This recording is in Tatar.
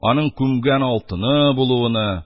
Аның күмгән алтыны булуыны,